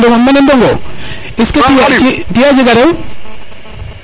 mane Ndongo est ce que tige jega rew